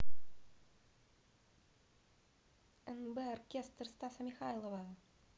nb оркестр стаса михайлова